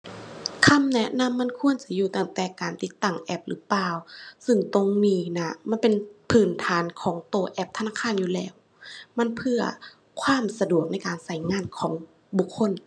คำแนะนำมันควรสิอยู่ตั้งแต่การติดตั้งแอปหรือเปล่าซึ่งตรงนี้น่ะมันเป็นพื้นฐานของตัวแอปธนาคารอยู่แล้วมันเพื่อความสะดวกในการตัวงานของบุคคล